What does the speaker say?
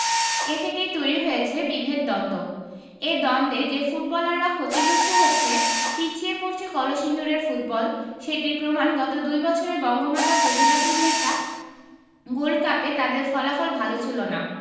এ থেকেই তৈরি হয়েছে বিভেদ দ্বন্দ্ব এই দ্বন্দ্বে যে ফুটবলাররা ক্ষতিগ্রস্ত হচ্ছে পিছিয়ে পড়ছে কলসিন্দুরের ফুটবল সেটির প্রমাণ গত দুই বছরে বঙ্গমাতা ফজিলাতুন্নেছা গোল্ড কাপে তাদের ফলাফল ভালো ছিল না